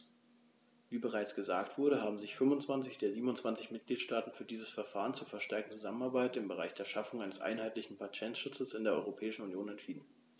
Wie bereits gesagt wurde, haben sich 25 der 27 Mitgliedstaaten für dieses Verfahren zur verstärkten Zusammenarbeit im Bereich der Schaffung eines einheitlichen Patentschutzes in der Europäischen Union entschieden.